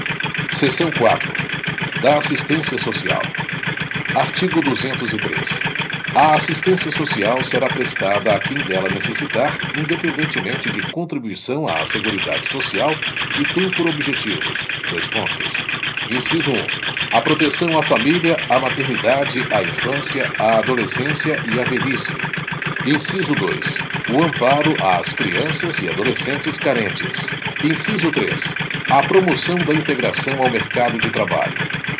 seção quatro da assistência social artigo duzentos e três a assistência social será prestada a quem dela necessitar independentemente de contribuição à seguridade social e tem por objetivos dois pontos inciso um a proteção à família à maternidade à infância à adolescência e à velhice inciso dois o amparo às crianças e adolescentes carentes inciso três a promoção da integração ao mercado de trabalho